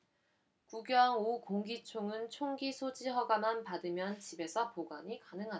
구경 오 공기총은 총기소지 허가만 받으면 집에서 보관이 가능하다